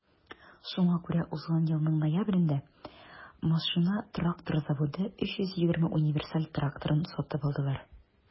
Шуңа күрә узган елның ноябрендә МТЗ 320 универсаль тракторын сатып алдылар.